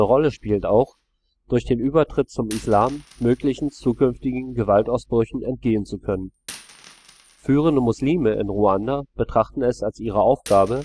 Rolle spielt auch, durch den Übertritt zum Islam möglichen zukünftigen Gewaltausbrüchen entgehen zu können. Führende Muslime in Ruanda betrachten es als ihre Aufgabe,